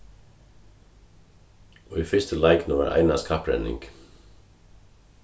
í fyrstu leikunum var einans kapprenning